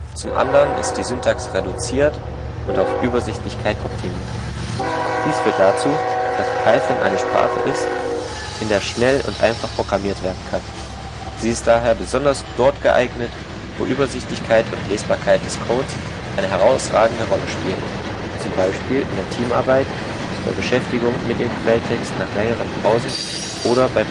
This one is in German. zum anderen ist die Syntax reduziert und auf Übersichtlichkeit optimiert. Dies führt dazu, dass Python eine Sprache ist, in der schnell und einfach programmiert werden kann. Sie ist daher besonders dort geeignet, wo Übersichtlichkeit und Lesbarkeit des Codes eine herausragende Rolle spielen – zum Beispiel in der Teamarbeit, bei Beschäftigung mit dem Quelltext nach längeren Pausen oder bei